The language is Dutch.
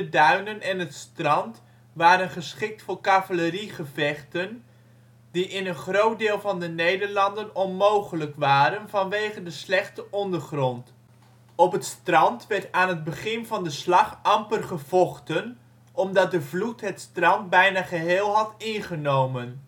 duinen en het strand waren geschikt voor cavaleriegevechten die in een groot deel van de Nederlanden onmogelijk waren vanwege de slechte ondergrond. Op het strand werd aan het begin van de slag amper gevochten, omdat de vloed het strand bijna geheel had ingenomen